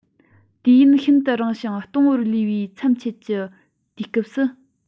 དུས ཡུན ཤིན ཏུ རིང ཞིང སྟོང བར ལུས པའི མཚམས ཆད ཀྱི དུས སྐབས སུ